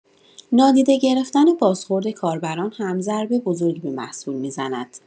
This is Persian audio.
نادیده گرفتن بازخورد کاربران هم ضربه بزرگی به محصول می‌زند.